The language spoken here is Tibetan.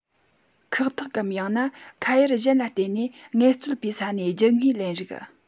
ཁག ཐེག གམ ཡང ན ཁ གཡར གཞན ལ བརྟེན ནས ངལ རྩོལ པའི ས ནས རྒྱུ དངོས ལེན རིགས